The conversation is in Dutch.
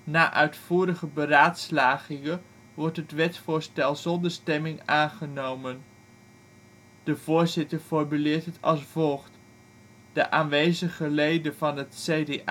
Na uitvoerige beraadslagingen wordt het wetsvoorstel zonder stemming aangenomen. De voorzitter formuleert het als volgt. ' De aanwezige leden van het CDA